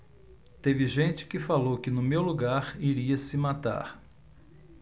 teve gente que falou que no meu lugar iria se matar